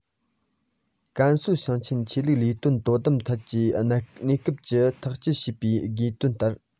ཀན སུའུ ཞིང ཆེན ཆོས ལུགས ལས དོན དོ དམ ཐད ཀྱི གནས སྐབས ཀྱི ཐག བཅད ཅེས པའི དགོངས དོན ལྟར